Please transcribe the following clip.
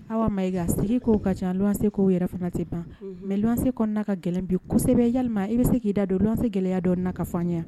Awa Mayiga sigi kow ka ca luwanse kow yɛrɛ fana tɛ ban mais luwanse kɔnɔ na ka gɛlɛn bi kosɛbɛ yalima i bɛ se k'i da don luwanse gɛlɛya